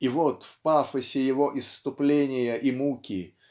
и вот в пафосе его исступления и муки